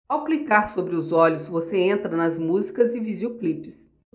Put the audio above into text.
ao clicar sobre os olhos você entra nas músicas e videoclipes